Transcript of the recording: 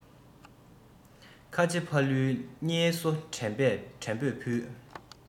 ཁ ཆེ ཕ ལུའི བསྙེལ གསོ དྲན པོས ཕུལ